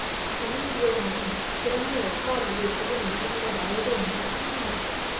더민주에서는 그런 일 없다라고 지금 이야기가 나오고 있는 상황이니까요